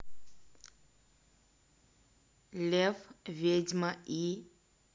лев ведьма и